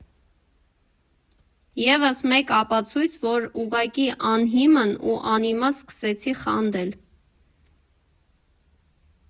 Եվս մեկ ապացույց, որ ուղղակի անհիմն ու անիմաստ սկսեցի խանդել։